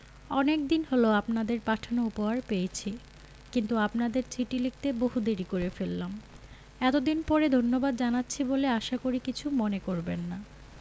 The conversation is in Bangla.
অনেকদিন হল আপনাদের পাঠানো উপহার পেয়েছি কিন্তু আপনাদের চিঠি লিখতে বহু দেরী করে ফেললাম এতদিন পরে ধন্যবাদ জানাচ্ছি বলে আশা করি কিছু মনে করবেন না